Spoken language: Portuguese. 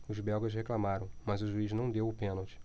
os belgas reclamaram mas o juiz não deu o pênalti